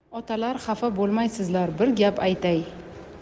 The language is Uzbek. otalar xafa bo'lmaysizlar bir gap aytay